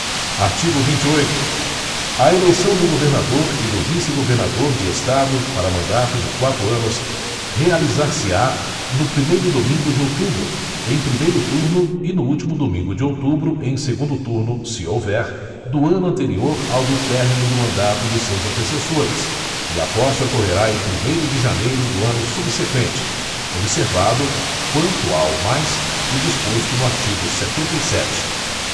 artigo vinte e oito a eleição do governador e do vice governador de estado para mandato de quatro anos realizar se á no primeiro domingo de outubro em primeiro turno e no último domingo de outubro em segundo turno se houver do ano anterior ao do término do mandato de seus antecessores e a posse ocorrerá em primeiro de janeiro do ano subseqüente observado quanto ao mais o disposto no artigo setenta e sete